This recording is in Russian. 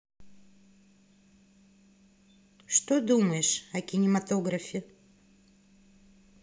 что думаешь о кинематографе